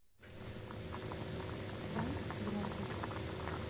дай громкость